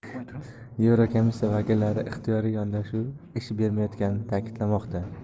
yevrokomissiya vakillari ixtiyoriy yondashuv ish bermayotganini ta'kidlamoqda